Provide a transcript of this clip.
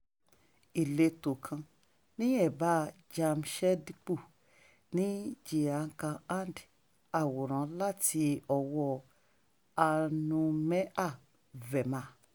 Ìletò kan ní ẹ̀báa Jamshedpur ní Jharkhand. Àwòrán láti ọwọ́ọ Anumeha Verma